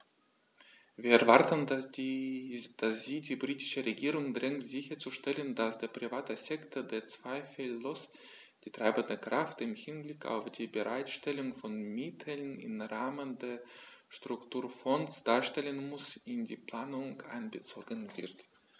Wir erwarten, dass sie die britische Regierung drängt sicherzustellen, dass der private Sektor, der zweifellos die treibende Kraft im Hinblick auf die Bereitstellung von Mitteln im Rahmen der Strukturfonds darstellen muss, in die Planung einbezogen wird.